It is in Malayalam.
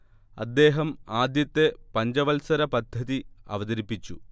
അദ്ദേഹം ആദ്യത്തെ പഞ്ചവത്സര പദ്ധതി അവതരിപ്പിച്ചു